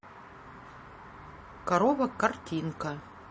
корова картинка